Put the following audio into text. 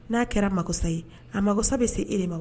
N'a kɛra makosa ye a makosa bɛ se e de ma